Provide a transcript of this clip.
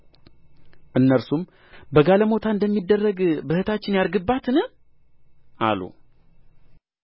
እነርሱም በጋለሞታ እንደሚደረግ በእኅታችን ያደርግባትን አሉ